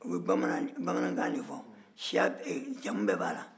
u bɛ bamanankan de fɔ jamu bɛɛ b'a la